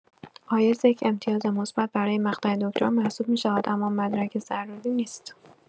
آیلتس یک امتیاز مثبت برای مقطع دکتری محسوب می‌شود اما مدرک ضروری نیست.